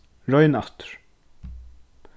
royn aftur